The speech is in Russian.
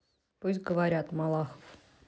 пусть говорят малахов